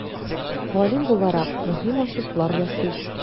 Галим буларак, мөһим ачышлар ясый.